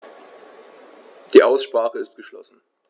Die Aussprache ist geschlossen.